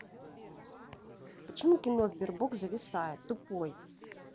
почему кино sberbox зависает тупой